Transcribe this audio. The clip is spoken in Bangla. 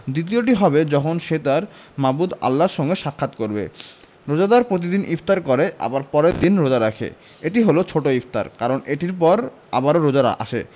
দ্বিতীয়টি হবে যখন সে তাঁর মাবুদ আল্লাহর সঙ্গে সাক্ষাৎ করবে রোজাদার প্রতিদিন ইফতার করে আবার পরের দিন রোজা রাখে এটি হলো ছোট ইফতার কারণ এটির পর আবারও রোজা আসে